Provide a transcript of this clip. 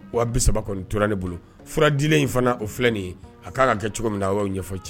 Wa bi saba kɔni tora de bolo furadilen in fana o filɛ nin ye a k'a ka kɛ cogo min na a y'a ɲɛfɔ cɛ